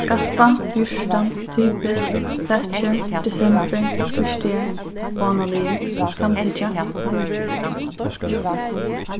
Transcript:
skaffa fjúrtan typiskt thatcher desembur týsdagar vánaligur samtykkja